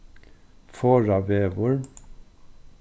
foravegur